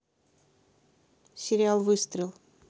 сериал выстрел